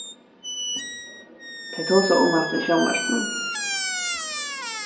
tey tosaðu um hatta í sjónvarpinum